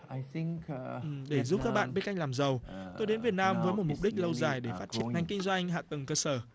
ừm để giúp các bạn biết cách làm giàu tôi đến việt nam với một mục đích lâu dài để phát ngành kinh doanh hạ tầng cơ sở